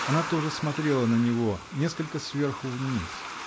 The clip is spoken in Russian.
Она тоже смотрела на него -- несколько сверху вниз.